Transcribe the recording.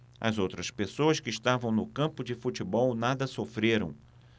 as outras pessoas que estavam no campo de futebol nada sofreram